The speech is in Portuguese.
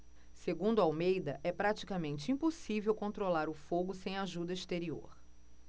segundo almeida é praticamente impossível controlar o fogo sem ajuda exterior